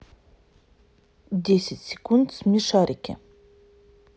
десять секунд смешарики